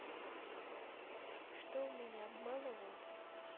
что у меня обманывают